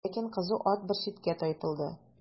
Ләкин кызу ат бер читкә тайпылды.